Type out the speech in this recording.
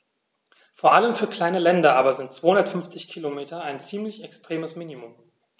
Vor allem für kleine Länder aber sind 250 Kilometer ein ziemlich extremes Minimum.